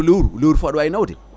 lewru lewru fo aɗa wawi nawde